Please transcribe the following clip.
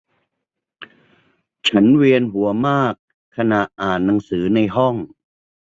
ฉันเวียนหัวมากขณะอ่านหนังสือในห้อง